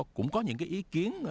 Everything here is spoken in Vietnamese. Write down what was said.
cũng có những cái ý kiến